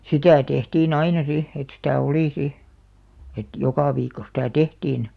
sitä tehtiin aina sitten että sitä oli sitten että joka viikko sitä tehtiin